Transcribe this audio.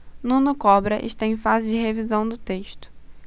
nuno cobra está em fase de revisão do texto